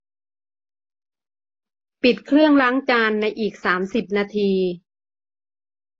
ปิดเครื่องล้างจานในอีกสามสิบนาที